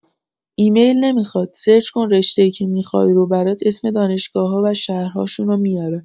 ایمیل نمیخواد، سرچ کن رشته‌ای که میخوای رو برات اسم دانشگاه‌‌ها و شهرهاشونو میاره